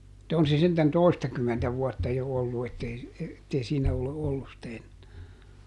mutta on se sentään toistakymmentä vuotta jo ollut että ei että ei siinä ole ollut sitä enää